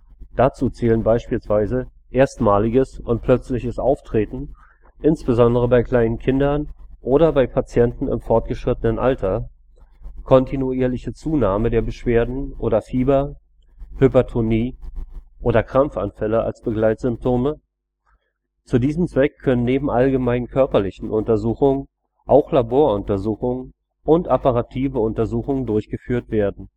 Dazu zählen beispielsweise erstmaliges und plötzliches Auftreten, insbesondere bei kleinen Kindern oder bei Patienten im fortgeschrittenen Alter, kontinuierliche Zunahme der Beschwerden oder Fieber, Hypertonie oder Krampfanfälle als Begleitsymtome. Zu diesem Zweck können neben allgemeinen körperlichen Untersuchungen auch Laboruntersuchungen und apparative Untersuchungen durchgeführt werden